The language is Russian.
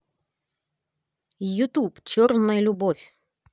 ютуб черная любовь